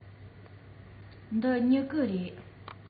འདི སྨྲུ གུ རེད